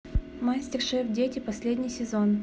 мастер шеф дети последний сезон